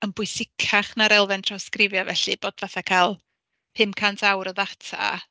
Yn bwysicach na'r elfen trawsgrifio felly, bod fatha cael pum cant awr o ddata...